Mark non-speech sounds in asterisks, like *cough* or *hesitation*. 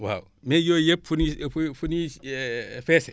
waaw mais yooyu yépp fu nuy fu fu nuy *hesitation* feesee